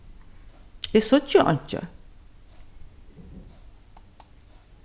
eg síggi einki